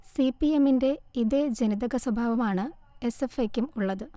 C P എമ്മിന്റെ ഇതേ ജനിതക സ്വഭാവമാണ് എസ് എഫ് ഐക്കും ഉള്ളത്